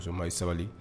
Musoman ye sabali